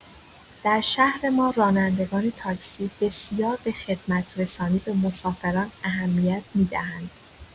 در شهر ما، رانندگان تاکسی بسیار به خدمت‌رسانی به مسافران اهمیت می‌دهند.